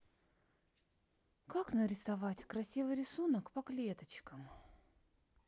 как нарисовать красивый рисунок по клеточкам